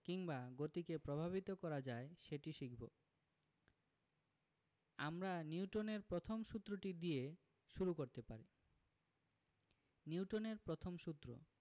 কিংবা গতিকে প্রভাবিত করা যায় সেটি শিখব আমরা নিউটনের প্রথম সূত্রটি দিয়ে শুরু করতে পারি নিউটনের প্রথম সূত্র